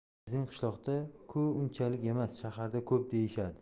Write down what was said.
bizning qishloqda ku unchalik emas shaharda ko'p deyishadi